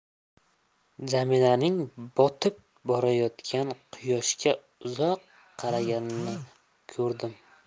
jamilaning botib borayotgan quyoshga uzoq qaraganini ko'rdim